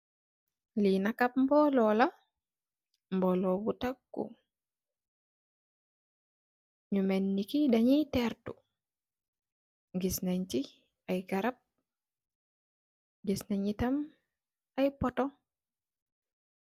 Lii nak mboolo la, ab mboolo bu takku, ñu melni dañuy tertu, gis nay ci ay garab, gis na ñu tam ay poto.